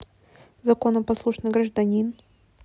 законопослушный гражданин